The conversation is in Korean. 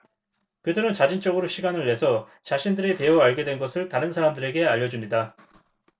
그들은 자진적으로 시간을 내서 자신들이 배워 알게 된 것을 다른 사람들에게 알려 줍니다